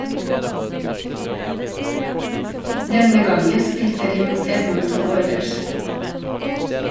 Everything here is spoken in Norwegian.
Denne gangen spilte de mot Edmonton Oilers.